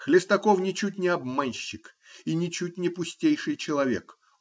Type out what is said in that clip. Хлестаков -- ничуть не обманщик и ничуть не пустейший человек.